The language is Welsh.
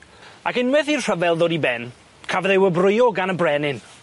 Ac unweth i'r rhyfel ddod i ben, cafodd ei wobrwyo gan y brenin.